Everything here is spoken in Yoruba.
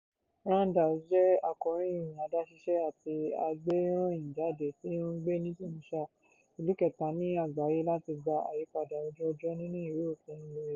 Radhouane jẹ́ akọ̀ròyìn adáṣiṣẹ́ àti agbéròyìnjáde tí ó ń gbé ní Tunisia, ìlú kẹta ní àgbáyé láti gba àyípadà ojú-ọjọ́ nínú Ìwé-òfin ilẹ̀ rẹ̀.